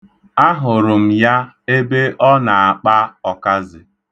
Ahụrụ m ya ebe ọ na-akpa ọkazị.